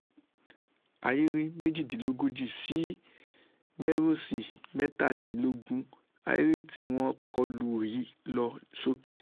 Ayr 38 - 17 Melrose: Ayr tíwọn kòlù rí lọ sóke